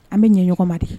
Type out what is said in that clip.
An bɛ ɲɛɲɔgɔn ma dege